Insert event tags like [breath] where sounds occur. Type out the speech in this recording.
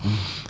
[hesitation] [breath]